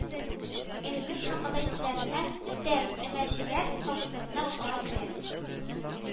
Инглиз һәм кытай телләреннән тәр емәчеләр факультетына укырга керә